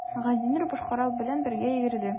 Газинур башкалар белән бергә йөгерде.